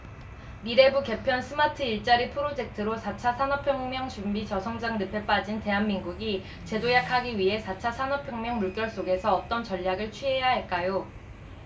미래부 개편 스마트일자리 프로젝트로 사 차 산업혁명 준비 저성장 늪에 빠진 대한민국이 재도약하기 위해 사 차 산업혁명 물결 속에서 어떤 전략을 취해야 할까요